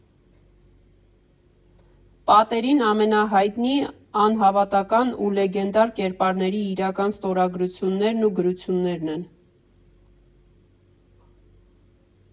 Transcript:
Պատերին ամենահայտնի, անհավանական ու լեգենդար կերպարների իրական ստորագրություններն ու գրություններն են։